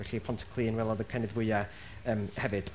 Felly, Pontyclun, welodd y cynnydd fwya yym hefyd.